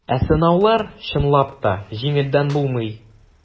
Ә сынаулар, чынлап та, җиңелдән булмый.